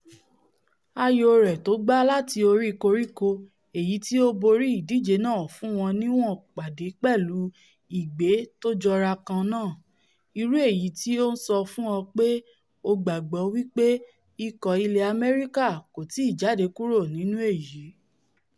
Ayó rẹ̀ tógbá láti orí koríko èyití ó borí ìdíje náà fún wọn níwọn pàdé pẹ̀lú igbe tójọra kan náà, irú èyití ó nsọ fún ọ pé ó gbàgbọ́ wí pé ikọ̀ ilẹ̀ Amẹrika kò tíì jáde kúró nínú èyí.